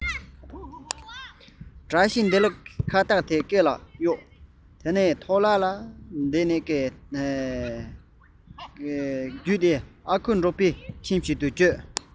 བཀྲ ཤེས བདེ ལེགས ཁ བཏགས དེ སྐེ ལ གཡོགས འདྲུད འཐེན འཁོར ལོ ལ བསྡད ནས ལྟ སྐོར ལ འོངས ལྕི བ དང སྟུག པས ཁེངས པའི རོལ དེ བརྒྱུད ཨ ཁུ འབྲུག རྒྱལ གྱི ཁྱིམ དུ བསྐྱོད